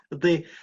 Ydi